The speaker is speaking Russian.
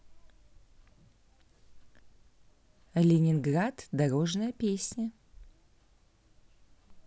ленинград дорожная песня